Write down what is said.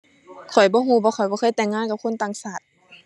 ข้อยบ่รู้ เพราะข้อยบ่เคยแต่งงานกับคนต่างชาติ